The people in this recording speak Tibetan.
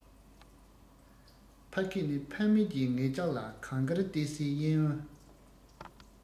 ཕ སྐད ནི ཕ མེས ཀྱིས ངེད ཅག ལ གངས དཀར ཏི སིའི གཡས གཡོན